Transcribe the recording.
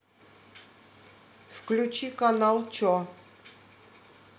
включи канал че